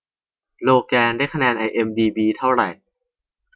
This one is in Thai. โลแกนได้คะแนนไอเอ็มดีบีเท่าไหร่